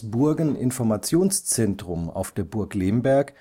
Burgeninformationszentrum auf der Burg Lemberg